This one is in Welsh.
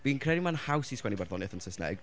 Fi'n credu mae'n haws i sgwennu barddoniaeth yn Saesneg.